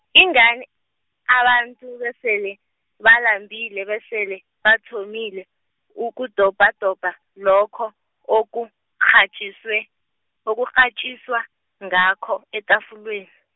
ingani, abantu besele balambile besele bathomile, ukudobhadobha lokho okukghatjiswe, okurhatjiswa ngakho etafuleni.